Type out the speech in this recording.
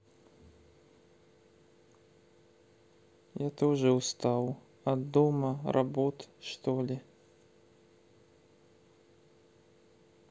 я тоже устал от дома робот что ли